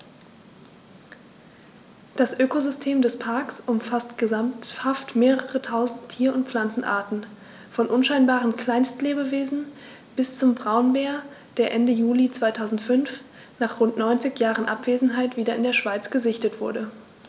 Das Ökosystem des Parks umfasst gesamthaft mehrere tausend Tier- und Pflanzenarten, von unscheinbaren Kleinstlebewesen bis zum Braunbär, der Ende Juli 2005, nach rund 90 Jahren Abwesenheit, wieder in der Schweiz gesichtet wurde.